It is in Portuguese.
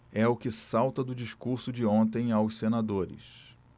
é o que salta do discurso de ontem aos senadores